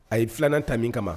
A ye filan ta min kama